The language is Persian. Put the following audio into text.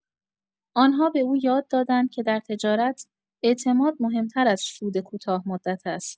آن‌ها به او یاد دادند که در تجارت، اعتماد مهم‌تر از سود کوتاه‌مدت است.